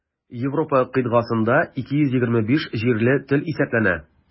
Европа кыйтгасында 225 җирле тел исәпләнә.